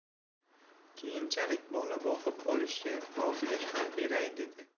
keyinchalik bola boqib olishga rozilik ham beray dedi